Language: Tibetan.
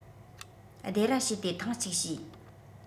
སྡེ ར བྱས ཏེ ཐེངས གཅིག བྱས